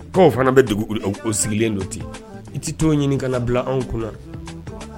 Dɔw fana bɛ degu bolo u sigilen don ten i to ɲinin ka na bila anw kunna.